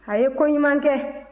a ye ko ɲuman kɛ